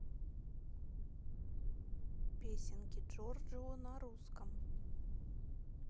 песенки джоджо на русском